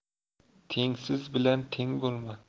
tengsiz bilan teng bo'lma